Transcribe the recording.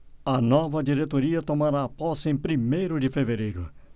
a nova diretoria tomará posse em primeiro de fevereiro